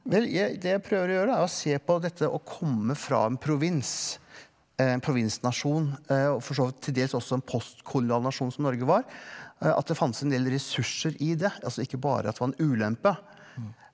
vel det jeg prøver å gjøre er å se på dette å komme fra en provins en provinsnasjon og for så vidt til dels også en postkolonial nasjon som Norge var at det fantes en ressurser i det altså ikke bare at det var en ulempe.